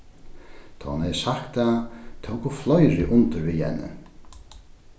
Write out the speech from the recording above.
tá hon hevði sagt tað tóku fleiri undir við henni